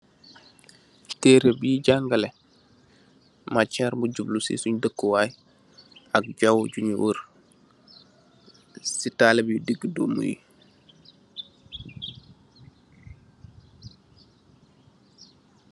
Teere bi jangale macaar bu jumlo si sunj dekuwaay ak jawo ju nyu war si talibe yu digg domu yi